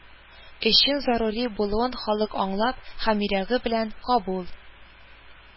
Өчен зарури булуын халык аңлап һәм йөрәге белән кабул